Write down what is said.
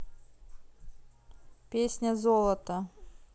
песня золото